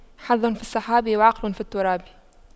حظ في السحاب وعقل في التراب